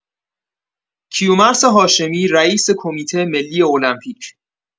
کیومرث هاشمی رئیس کمیته ملی المپیک